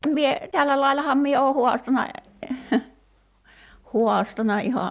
minä tällä laillahan minä olen haastanut haastanut ihan